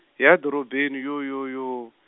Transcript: ya edorobeni yoo yoo yoo.